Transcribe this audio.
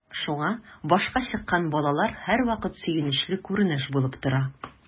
Шуңа “башка чыккан” балалар һәрвакыт сөенечле күренеш булып тора.